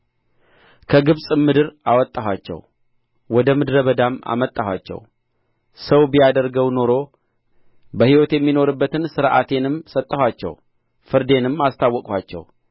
ከግብጽም ምድር አወጣኋቸው ወደ ምድረ በዳም አመጣኋቸው ሰው ቢያደርገው ኖሮ በሕይወት የሚኖርበትን ሥርዓቴንም ሰጠኋቸው ፍርዴንም አስታወቅኋቸው